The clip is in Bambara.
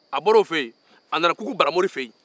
a bɔra o fɛ yen a nana kukubaramori yɛ yen